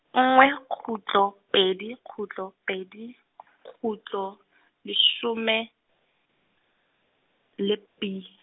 nngwe kgutlo pedi kgutlo pedi , kgutlo, leshome, le B.